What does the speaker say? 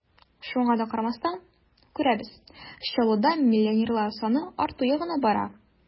Шуңа да карамастан, күрәбез: Чаллыда миллионерлар саны арту ягына бара.